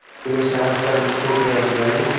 pulni sharafdan ustun qo'yadiganlar